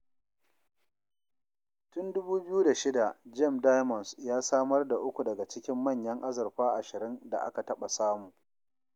Tun 2006, Gem Diamonds ya samar da uku daga cikin manyan azurfa 20 da aka taɓa samu.